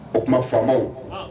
O tuma fɔ